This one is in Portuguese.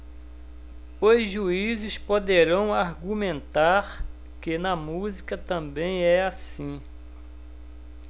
os juízes poderão argumentar que na música também é assim